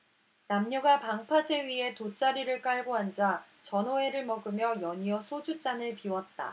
남녀가 방파제 위에 돗자리를 깔고 앉아 전어회를 먹으며 연이어 소주잔을 비웠다